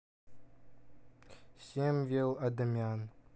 самвел адамян